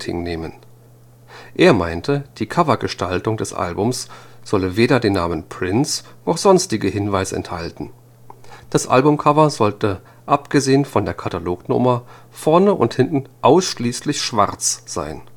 nehmen: Er meinte, die Covergestaltung des Albums solle weder den Namen „ Prince “noch sonstige Hinweise enthalten; das Albumcover sollte, abgesehen von der Katalognummer, vorne und hinten ausschließlich schwarz sein